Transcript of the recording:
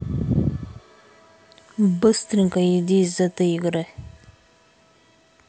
быстренько иди из этой игры